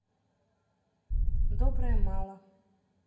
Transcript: доброе мало